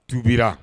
Tubira